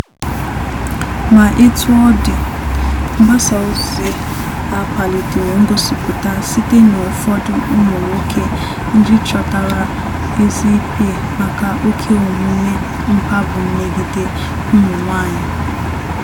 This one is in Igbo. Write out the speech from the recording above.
Ma etu ọ dị, mgbasa ozi a kpalitere ngosipụta site n'ụfọdụ ụmụ nwoke ndị chọtara ezi ikpe maka oke omume mkpagbu megide ụmụ nwaanyị.